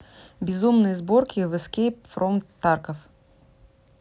безумные сборки в эскейп фром тарков